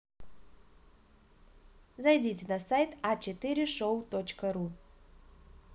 зайди на сайт а четыре шоу точка ру